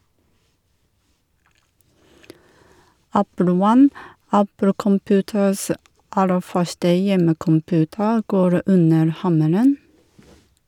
Apple 1, Apple Computers' aller første hjemmecomputer, går under hammeren.